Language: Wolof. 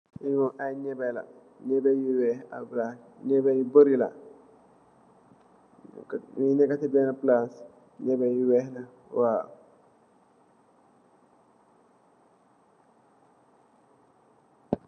Li mom aye mboba la yereh yu weex ak bag yereh yu bari la nyungi neka si bena palas yereh yu weex waw